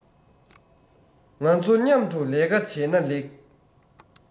ང ཚ མཉམ དུ ལས ཀ བྱས ན ལེགས